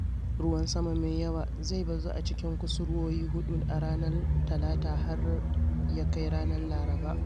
Ruwan sama mai yawa zai bazu a cikin Kusurwowi Huɗu a ranar Talata har ya kai ranar Laraba.